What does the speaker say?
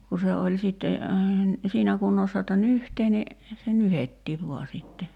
kun se oli sitten siinä kunnossa jotta nyhtää niin se nyhdettiin vain sitten